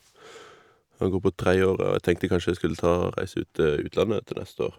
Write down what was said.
Og jeg går på tredje året, og jeg tenkte kanskje jeg skulle ta å reise ut til utlandet til neste år.